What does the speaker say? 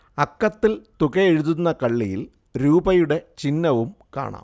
അക്കത്തിൽ തുകയെഴുതുന്ന കള്ളിയിൽ രൂപയുടെ ചിഹ്നവും കാണാം